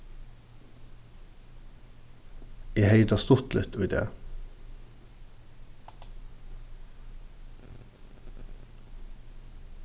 eg hevði tað stuttligt í dag